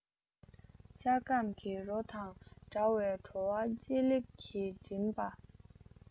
ཤ སྐམ གྱི རོ དང འདྲ བའི བྲོ བ ལྕེ ལེབ ནས མགྲིན པ